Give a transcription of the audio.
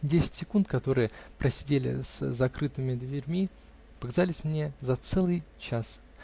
Десять секунд, которые просидели с закрытыми дверьми, показались мне за целый час.